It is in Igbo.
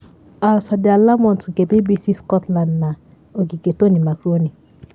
Alasdair Lamont nke BBC Scotland na Ogige Tony Macaroni